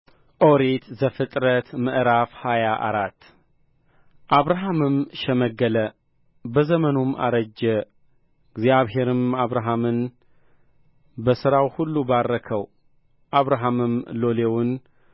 ኦሪት ዘፍጥረት ምዕራፍ ሃያ አራት አብርሃምም ሸመገለ በዘመኑም አረጀ እግዚአብሔርም አብርሃምን በሥራው ሁሉ ባረከው አብርሃምም ሎሌውን